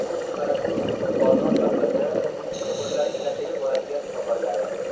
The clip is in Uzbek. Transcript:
xuddi mana shu qozon vokzalida o'smirlarning nashaga boradigan choparlari